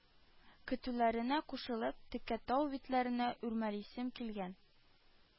Көтүләренә кушылып, текә тау битләренә үрмәлисем килгән